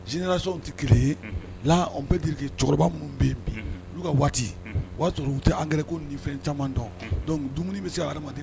Jinɛlasiw tɛ kelen ye la anw bɛɛ terikɛ cɛkɔrɔba minnu bɛ bi oluu ka waati o y'a sɔrɔ u tɛ ankɛ ko ni fɛn caman dɔn donc dumuni bɛ se adamadama